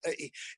yy i